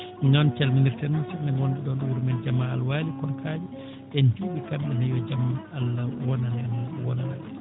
noon calminirten musidɓe men wonɓe ɗoon ɗo wuro men Jaama Alwaali korkaaji en * kamɓe ne yo jam Allah wonan en wonana ɓe